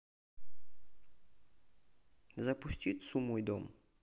запусти цу мой дом